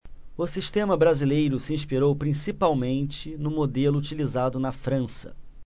o sistema brasileiro se inspirou principalmente no modelo utilizado na frança